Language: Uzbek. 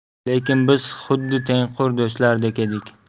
lekin biz xuddi tengqur do'stlardek edik